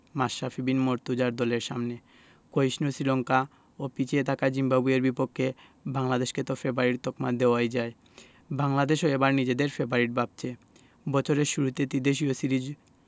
মাশরাফি বিন মুর্তজার দলের সামনে ক্ষয়িষ্ণু শ্রীলঙ্কা ও পিছিয়ে থাকা জিম্বাবুয়ের বিপক্ষে বাংলাদেশকে তো ফেবারিট তকমা দেওয়াই যায় বাংলাদেশও এবার নিজেদের ফেবারিট ভাবছে বছরের শুরুতে ত্রিদেশীয় সিরিজ